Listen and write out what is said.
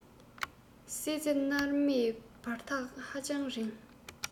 སྲིད རྩེ མནར མེད བར ཐག ཧ ཅང རིང